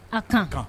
A k kan kan